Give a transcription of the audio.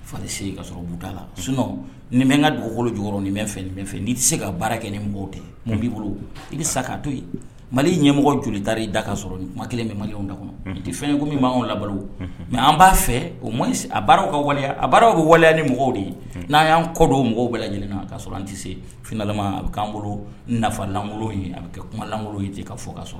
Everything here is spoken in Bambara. Fa tɛ se ka sɔrɔ b'ta la sun ni bɛ n ka dukolo jɔ nin bɛ fɛn bɛ fɛ n'i tɛ se ka baara kɛ ni mɔgɔw tɛ b'i bolo i bɛ sa k ka to yen mali ɲɛmɔgɔ joli ta i da ka sɔrɔ kuma kelen bɛ mali da kɔnɔ i tɛ fɛn ye ko min ma law mɛ an b'a fɛ o a baaraw ka waleya a baararaw ka waleya ni mɔgɔw de ye n'a y'an kɔdon mɔgɔw bɛ ɲini ka sɔrɔ an tɛ se flama a bɛ k'an bolo nafalan a bɛ kɛ kumalan de ka fɔ kaa sɔn